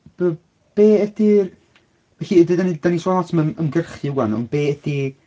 B- be ydy'r... felly dydan ni... dan ni'n sôn lot am ymgyrchu 'wan ond be ydy...